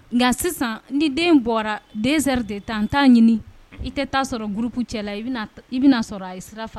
Nka sisan ni den bɔra denri de taa n t'a ɲini i tɛ'a sɔrɔ buruku cɛla la i bɛna sɔrɔ a sira